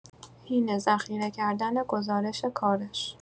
حین ذخیره کردن گزارش کارش